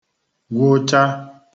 gwụcha